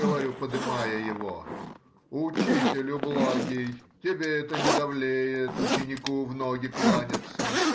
— говорю, подымая его,— учителю благий, тебе это не довлеет ученику в ноги кланяться.